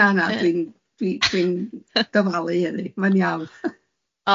Na, na, dwi'n dwi'n dwi'n dyfalu hynny, ma'n iawn.